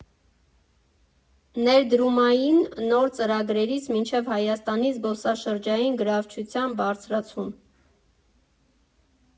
Ներդրումային նոր ծրագրերից մինչև Հայաստանի զբոսաշրջային գրավչության բարձրացում.